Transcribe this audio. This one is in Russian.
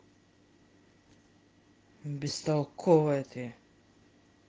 бестолковая ты